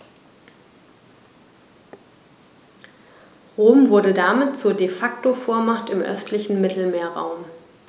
Rom wurde damit zur ‚De-Facto-Vormacht‘ im östlichen Mittelmeerraum.